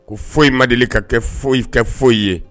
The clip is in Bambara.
Ko foyi ma deli ka kɛ foyi kɛ foyi ye